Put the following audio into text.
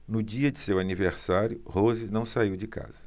no dia de seu aniversário rose não saiu de casa